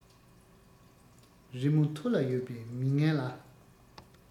རི མོ ཐུར ལ ཡོད པའི མི ངན ལ